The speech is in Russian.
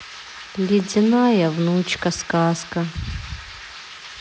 ледяная внучка сказка